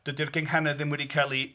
Dydy'r gynghanedd ddim wedi cael ei...